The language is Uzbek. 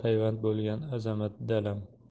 payvand bo'lgan azamat dalam